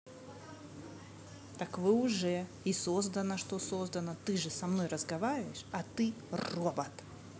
так вы уже и создано что создано ты же со мной разговариваешь а ты робот